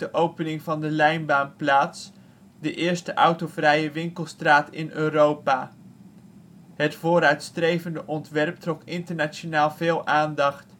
opening van de Lijnbaan plaats, de eerste autovrije winkelstraat in Europa. Het vooruitstrevende ontwerp trok internationaal veel aandacht